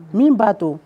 Min b'a to